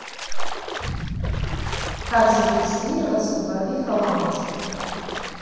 как зарегистрироваться в барвиха lounge